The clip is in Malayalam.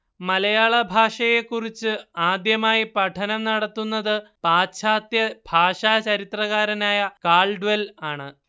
മലയാള ഭാഷയെക്കുറിച്ച് ആദ്യമായി പഠനം നടത്തുന്നത് പാശ്ചാത്യ ഭാഷാ ചരിത്രകാരനായ കാൾഡ്വെൽ ആണ്